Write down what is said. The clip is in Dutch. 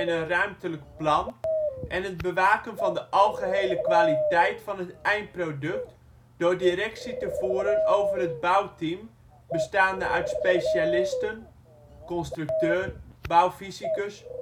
ruimtelijk plan en het bewaken van de algehele kwaliteit van het eindproduct door directie te voeren over het bouwteam bestaande uit specialisten (constructeur, bouwfysicus